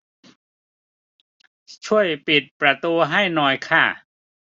ช่วยปิดประตูให้หน่อยค่ะ